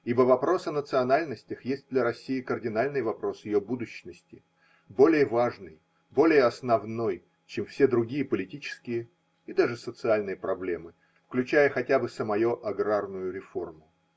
Ибо вопрос о национальностях есть для России кардинальный вопрос ее будущности, более важный, более основной, чем все другие политические и даже социальные проблемы, включая хотя бы самое аграрную реформу.